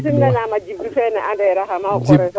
o simna naam a Djiby feene anderaxama o koreso